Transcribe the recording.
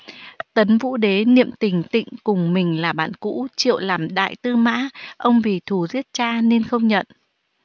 tấn vũ đế niệm tình tịnh cùng mình là bạn cũ triệu làm đại tư mã ông vì thù giết cha nên không nhận